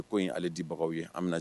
Ko in aleale dibagaw ye an